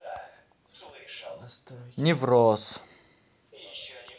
невроз